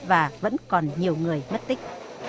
và vẫn còn nhiều người mất tích